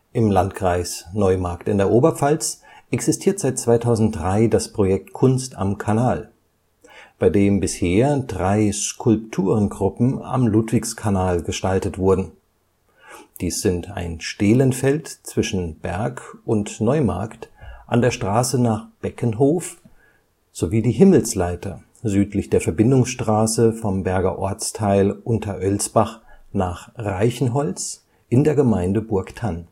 Im Landkreis Neumarkt in der Oberpfalz existiert seit 2003 das Projekt Kunst am Kanal, bei dem bisher drei Skulpturen (gruppen) am Ludwigskanal gestaltet wurden. Dies sind ein Stelenfeld zwischen Berg und Neumarkt an der Straße nach Beckenhof sowie die Himmelsleiter südlich der Verbindungsstraße vom Berger Ortsteil Unterölsbach nach Reichenholz in der Gemeinde Burgthann